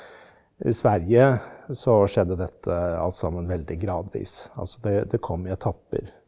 i Sverige så skjedde dette alt sammen veldig gradvis altså det det kom i etapper.